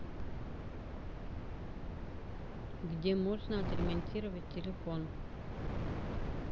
где можно отремонтировать телефон